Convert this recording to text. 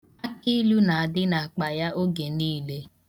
Akịilu na-adị n' akpa ya oge niile.